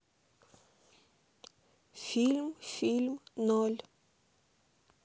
фильм фильм ноль